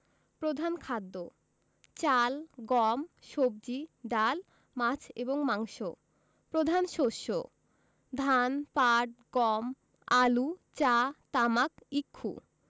প্রধান খাদ্যঃ চাল গম সবজি ডাল মাছ এবং মাংস প্রধান শস্যঃ ধান পাট গম আলু চা তামাক ইক্ষু